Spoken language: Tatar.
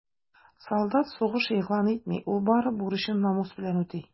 Солдат сугыш игълан итми, ул бары бурычын намус белән үти.